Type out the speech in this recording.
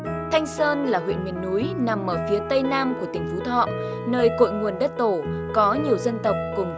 thanh sơn là huyện miền núi nằm ở phía tây nam của tỉnh phú thọ nơi cội nguồn đất tổ có nhiều dân tộc cùng